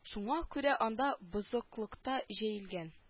Шуңа күрә анда бозыклыкта җәелгән